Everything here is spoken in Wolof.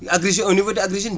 Agri Jeu au niveau de Agri Jeunes